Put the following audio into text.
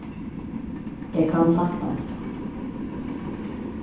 eg kann saktans